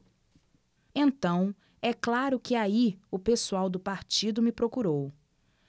então é claro que aí o pessoal do partido me procurou